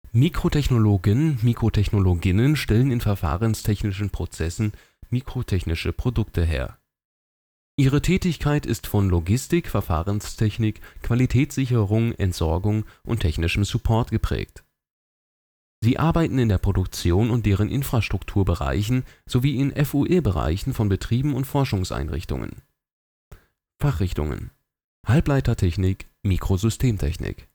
Mikrotechnologen/Mikrotechnologinnen stellen in verfahrenstechnischen Prozessen mikrotechnische Produkte her. Ihre Tätigkeit ist von Logistik, Verfahrenstechnik, Qualitätssicherung, Entsorgung und technischem Support geprägt. Sie arbeiten in der Produktion und deren Infrastrukturbereichen sowie in FuE-Bereichen von Betrieben und Forschungseinrichtungen. Fachrichtungen: Halbleitertechnik Mikrosystemtechnik